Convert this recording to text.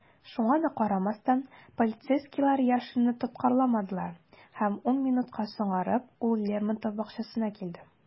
Шуңа да карамастан, полицейскийлар Яшинны тоткарламадылар - һәм ун минутка соңарып, ул Лермонтов бакчасына килде.